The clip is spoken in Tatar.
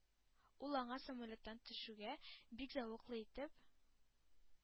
Ул аңа самолеттан төшүгә бик зәвыклы итеп